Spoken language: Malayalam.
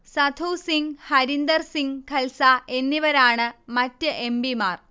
സധു സിങ്, ഹരീന്ദർ സിങ് ഖൽസ എന്നിവരാണു മറ്റ് എംപിമാർ